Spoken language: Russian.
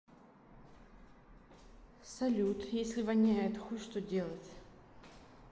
салют если воняет хуй что делать